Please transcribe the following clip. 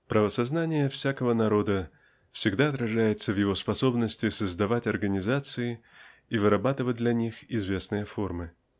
Правосознание всякого народа всегда отражается в его способности создавать организации и вырабатывать для них известные формы.